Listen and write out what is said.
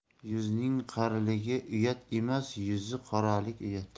yuzning qoraligi uyat emas yuzi qoralik uyat